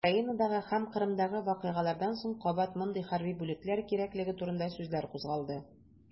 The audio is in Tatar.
Украинадагы һәм Кырымдагы вакыйгалардан соң кабат мондый хәрби бүлекләр кирәклеге турында сүзләр кузгалды.